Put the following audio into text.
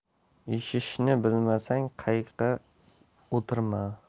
eshishni bilmasang qayiqda o'tirma